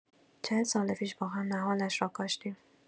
چهل سال پیش با هم نهالش را کاشتیم.